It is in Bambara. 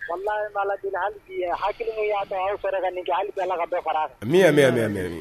walahi an bi Ala deli hali bi hakili min y'a to aw sera ka nin kɛ, Ala ka dɔ fara kan, Ami amina yarabi